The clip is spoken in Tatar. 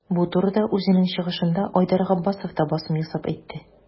Бу турыда үзенең чыгышында Айдар Габбасов та басым ясап әйтте.